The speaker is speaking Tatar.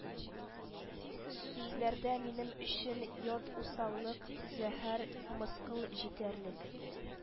Сүзләрдә минем өчен ят усаллык, зәһәр, мыскыл җитәрлек